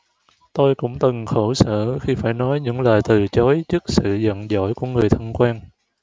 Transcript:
tôi cũng từng khổ sở khi phải nói những lời từ chối trước sự giận dỗi của người thân quen